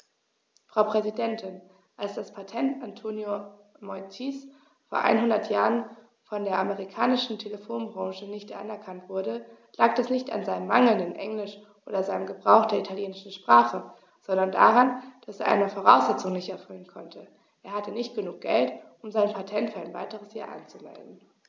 Frau Präsidentin, als das Patent Antonio Meuccis vor einhundert Jahren von der amerikanischen Telefonbranche nicht anerkannt wurde, lag das nicht an seinem mangelnden Englisch oder seinem Gebrauch der italienischen Sprache, sondern daran, dass er eine Voraussetzung nicht erfüllen konnte: Er hatte nicht genug Geld, um sein Patent für ein weiteres Jahr anzumelden.